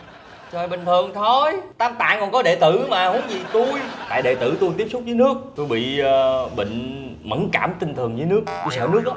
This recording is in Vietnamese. trời bình thường thôi tam tạng còn có đệ tử mà huống gì tui tại đệ tử tui tiếp xúc với nước tui bị bệnh mẫn cảm tinh thần với nước tui sợ nước lắm